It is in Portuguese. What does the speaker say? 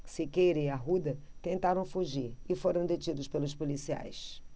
siqueira e arruda tentaram fugir e foram detidos pelos policiais